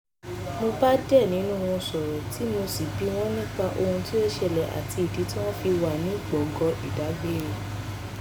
Mo bá díẹ̀ nínú wọn sọ̀rọ̀ tí mo bi wọ́n nípa ohun tí ó ń ṣẹlẹ̀ àti ìdí tí wọ́n ṣì fi wà ní gbọ̀ngán ìdágbére.